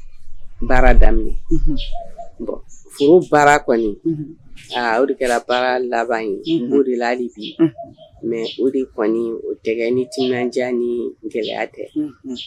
Daminɛ baara kɔni o kɛra baara labanla bi mɛ o de kɔni o tɛ ni tijan ni gɛlɛya tɛ